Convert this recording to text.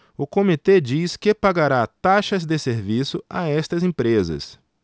o comitê diz que pagará taxas de serviço a estas empresas